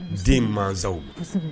Den mansaw